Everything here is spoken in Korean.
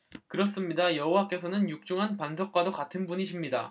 그렇습니다 여호와께서는 육중한 반석과도 같은 분이십니다